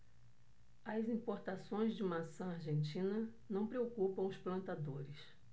as importações de maçã argentina não preocupam os plantadores